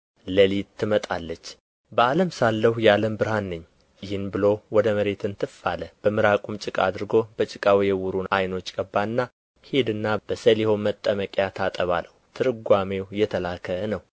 ሌሊት ትመጣለች በዓለም ሳለሁ የዓለም ብርሃን ነኝ ይህን ብሎ ወደ መሬት እንትፍ አለ በምራቁም ጭቃ አድርጎ በጭቃው የዕውሩን ዓይኖች ቀባና ሂድና በሰሊሆም መጠመቂያ ታጠብ አለው ትርጓሜው የተላከ ነው